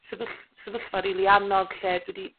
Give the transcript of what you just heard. sefyll- sefyllfa rili anodd lle dwi 'di